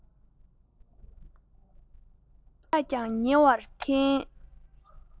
བར ཐག ཀྱང ཉེ བར འཐེན